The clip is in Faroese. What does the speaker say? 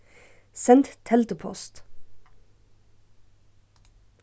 send teldupost